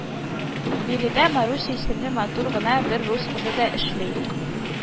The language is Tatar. Биредә Маруся исемле матур гына бер рус кызы да эшли